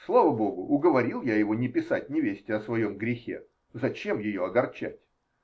Слава богу, уговорил я его не писать невесте о своем грехе -- зачем ее огорчать?